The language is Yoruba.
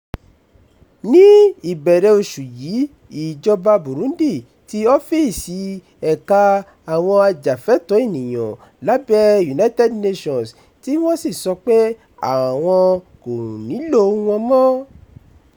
Ní ìbẹ̀rẹ̀ oṣù yìí, ìjọba Burundi ti ọ́fíìsì ẹ̀ka àwọn ajàfẹ́tọ̀ọ́ ènìyàn lábẹ́ United Nations tí wọ́n sì sọ pé àwọn kò nílòo wọn mọ́.